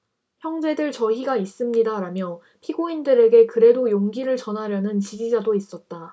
형제들 저희가 있습니다라며 피고인들에게 그래도 용기를 전하려는 지지자도 있었다